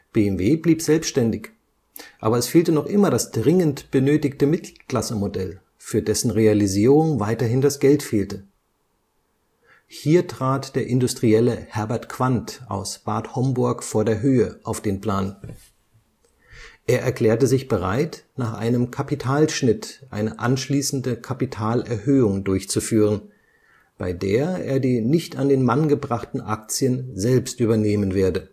BMW blieb selbständig, aber es fehlte noch immer das dringend benötigte Mittelklasse-Modell, für dessen Realisierung weiterhin das Geld fehlte. Hier trat der Industrielle Herbert Quandt aus Bad Homburg vor der Höhe auf den Plan. Er erklärte sich bereit, nach einem Kapitalschnitt eine anschließende Kapitalerhöhung durchzuführen, bei der er die nicht an den Mann gebrachten Aktien selbst übernehmen werde